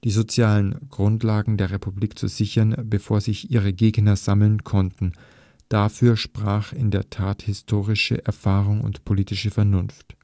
sozialen Grundlagen der Republik zu sichern, bevor sich ihre Gegner sammeln konnten: Dafür sprachen in der Tat historische Erfahrung und politische Vernunft